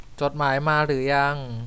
จดหมายมาหรือยัง